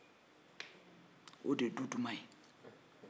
o de ye du duman ye